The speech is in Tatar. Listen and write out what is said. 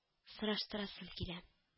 Сораштырасым килә